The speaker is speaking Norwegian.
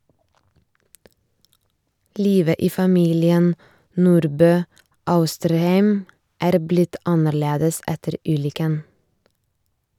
Livet i familien Nordbø Austrheim er blitt annerledes etter ulykken.